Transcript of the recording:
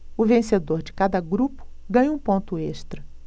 o vencedor de cada grupo ganha um ponto extra